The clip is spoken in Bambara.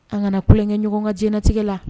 An kana tulon kɛ ɲɔgɔn ka diɲɛnatigɛ la